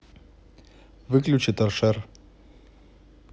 выключи торшер